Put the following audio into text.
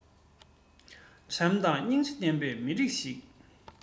བྱམས དང སྙིང རྗེ ལྡན པའི མི རིགས ཤིག